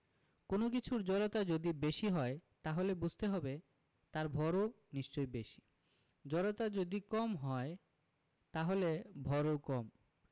কোনো কিছুর জড়তা যদি বেশি হয় তাহলে বুঝতে হবে তার ভরও নিশ্চয়ই বেশি জড়তা যদি কম হয় তাহলে ভরও কম